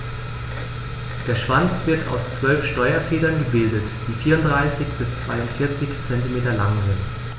Der Schwanz wird aus 12 Steuerfedern gebildet, die 34 bis 42 cm lang sind.